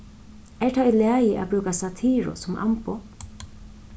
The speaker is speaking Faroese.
er tað í lagi at brúka satiru sum amboð